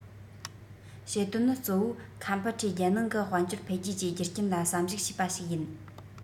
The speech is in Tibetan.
བྱེད དོན ནི གཙོ བོ ཁམ ཕུ ཁྲེའི རྒྱལ ནང གི དཔལ འབྱོར འཕེལ རྒྱས ཀྱི རྒྱུ རྐྱེན ལ བསམ གཞིགས བྱས པ ཞིག ཡིན